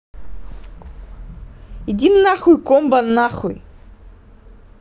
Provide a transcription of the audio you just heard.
иди нахуй комбо нахуй